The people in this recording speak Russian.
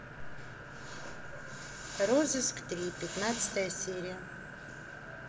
розыск три пятнадцатая серия